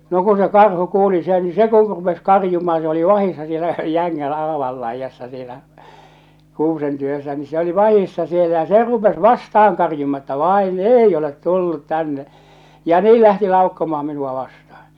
no kun se karhu kuuli sen niin se kun rupesi karjumaan se oli vahdissa siellä jängän aavan laidassa siellä kuusen tykönä niin se oli vahdissa siellä ja se rupesi vastaan karjumaan että vain ei ole tullut tänne ja niin lähti laukkomaan minua vastaan